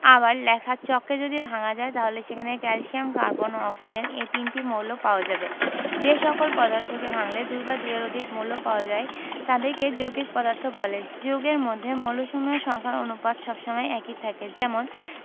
আবার লেখার চককে যদি ভাঙা যায় তাহলে সেখানে ক্যালসিয়াম কার্বন ও অক্সিজেন এ তিনটি মৌল পাওয়া যাবে যে সকল পদার্থকে ভাঙলে দুই বা দুইয়ের অধিক মৌল পাওয়া যায় তাদেরকে যৌগিক পদার্থ বলে যৌগের মধ্যে মৌলসমূহের সংখ্যার অনুপাত সব সময় একই থাকে যেমন